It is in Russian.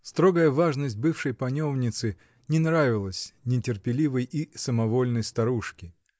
Строгая важность бывшей "паневницы" не нравилась нетерпеливой и самовольной старушке.